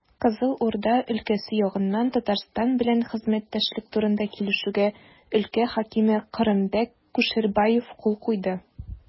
Кызыл Урда өлкәсе ягыннан Татарстан белән хезмәттәшлек турында килешүгә өлкә хакиме Кырымбәк Кушербаев кул куйды.